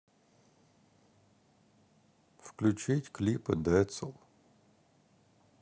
включить клипы децл